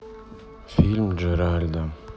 фильм джеральда